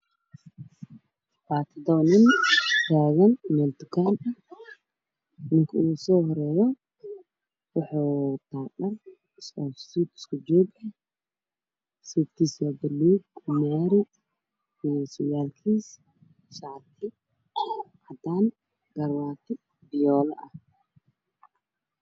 Meeshan waxay iiga muuqda madaxweyne xasan sheekh iyo lix nin oo kale oo wato suud buluuga ah gadaalna waxaa ka taagan armaajo ay ku jiraan buugaag